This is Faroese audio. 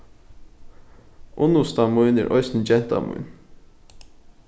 unnusta mín er eisini genta mín